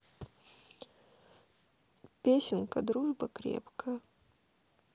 песенка дружба крепкая